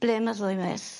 Ble ma'r ddwy miss?